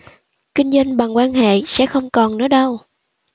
kinh doanh bằng quan hệ sẽ không còn nữa đâu